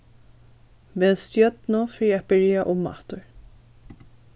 vel stjørnu fyri at byrja umaftur